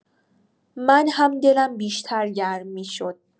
من هم دلم بیشتر گرم می‌شد.